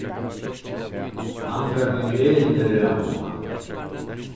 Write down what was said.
hann fær migrenur av og á